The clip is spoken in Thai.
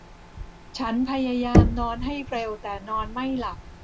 ฉันพยายามนอนให้เร็วแต่นอนไม่หลับ